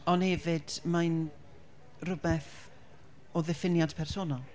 Ond hefyd mae'n rhywbeth o ddiffiniad personol.